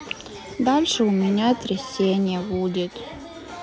дальше у меня трясение будет